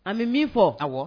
A bɛ min fɔ a kɔ